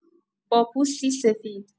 با پوستی سفید